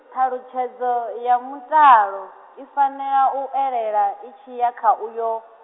ṱhalutshedzo, ya mutalo, i fanela u elela itshi ya kha uyo.